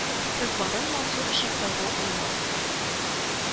Сез варың, Мансур өчүн кайгу йыймаң